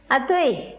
a to yen